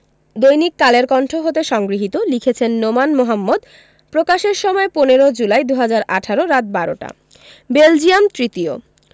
দৈনিক কালের কন্ঠ হতে সংগৃহীত লিখেছেন নোমান মোহাম্মদ প্রকাশের সময় ১৫ জুলাই ২০১৮ রাত ১২ টা বেলজিয়াম তৃতীয়